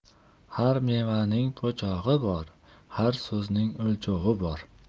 har mevaning po'chog'i bor har so'zning o'lchovi bor